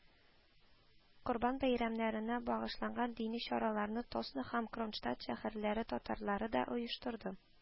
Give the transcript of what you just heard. Корбан бәйрәменә багышланган дини чараларны Тосно һәм Кронштадт шәһәрләре татарлары да оештырды